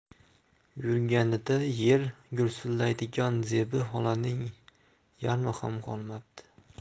yurganida yer gursillaydigan zebi xolaning yarmiham qolmabdi